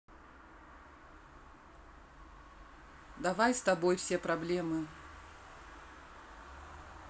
давай с тобой все проблемы